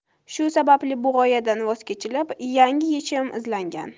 shu sababli bu g'oyadan voz kechilib yangi yechim izlangan